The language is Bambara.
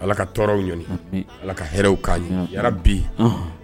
Ala ka tɔɔrɔw ala ka hw k'a ye bi